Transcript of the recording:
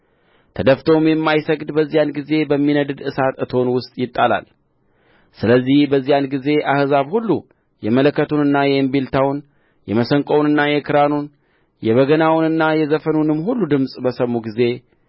ተደፍቶም የማይሰግድ በዚያን ጊዜ በሚነድድ እሳት እቶን ውስጥ ይጣላል ስለዚህ በዚያን ጊዜ አሕዛብ ሁሉ የመለከቱንና የእንቢልታውን የመሰንቆውንና የክራሩን የበገናውንና የዘፈኑንም ሁሉ ድምፅ በሰሙ ጊዜ